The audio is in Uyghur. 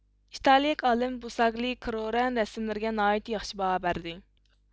ئىتالىيىلىك ئالىم بۇساگلى كرورەن رەسىملىرىگە ناھايىتى ياخشى باھا بەردى